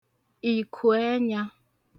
ìkùẹnyā